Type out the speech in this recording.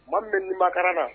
Maa min bɛ nimakaran